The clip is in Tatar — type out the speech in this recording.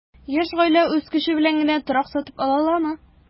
Яшь гаилә үз көче белән генә торак сатып ала аламы?